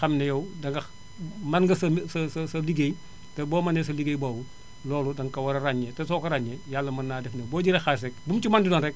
xam ne yow danga mën nga sa sa sa sa ligéey te boo mënee sa ligéeyu boobu loolu danga ko war a ràññee te soo ko ràññee yàlla mën naa def ne boo jëlee xaalis rek bu mu ci mën di doon rek